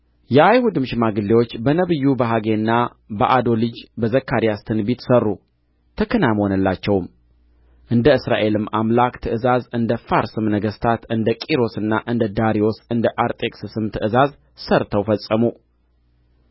የአይሁድም ሽማግሌዎች በነቢዩ በሐጌና በአዶ ልጅ በዘካርያስ ትንቢት ሠሩ ተከናወነላቸውም እንደ እስራኤልም አምላክ ትእዛዝ እንደ ፋርስም ነገሥታት እንደ ቂሮስና እንደ ዳርዮስ እንደ አርጤክስስም ትእዛዝ ሠርተው ፈጸሙ